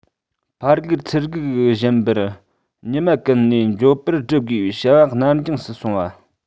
ཕར སྒུག ཚུར སྒུག བཞིན པར ཉི མ བསྐྱལ ནས མགྱོགས པོར བསྒྲུབ དགོས པའི བྱ བ ནར འགྱངས སུ སོང བ